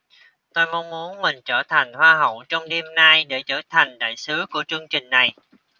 tôi mong muốn mình trở thành hoa hậu trong đêm nay để trở thành đại sứ của chương trình này